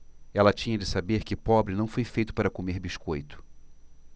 ela tinha de saber que pobre não foi feito para comer biscoito